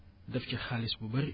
def ci xaalis bu bëri